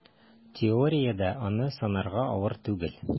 Теориядә аны санарга авыр түгел: